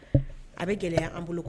A bɛ gɛlɛya an bolo